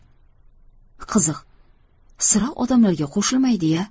qiziq sira odamlarga qo'shilmaydi ya